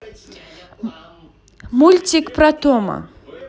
мультик про тома